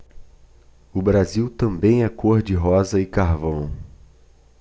o brasil também é cor de rosa e carvão